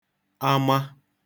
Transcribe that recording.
ama